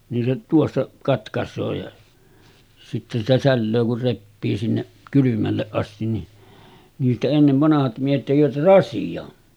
niin se tuossa katkaisee ja sitten sitä sälöö kun repii sinne kylmälle asti niin niistä ennen vanhat miehet tekivät rasian